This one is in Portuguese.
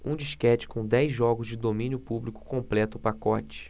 um disquete com dez jogos de domínio público completa o pacote